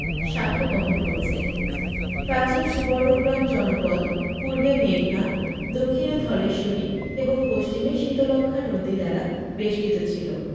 সাক্ষ্য বহন করছে প্রাচীন সুবর্ণগ্রাম জনপদ পূর্বে মেঘনা দক্ষিণে ধলেশ্বরী এবং পশ্চিমে শীতলক্ষ্যা নদী দ্বারা বেষ্টিত ছিল